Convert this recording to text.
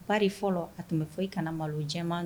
Bari fɔlɔ a tun be fɔ i kana malo jɛman